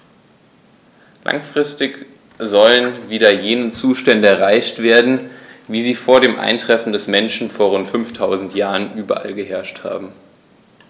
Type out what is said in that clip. Langfristig sollen wieder jene Zustände erreicht werden, wie sie vor dem Eintreffen des Menschen vor rund 5000 Jahren überall geherrscht haben.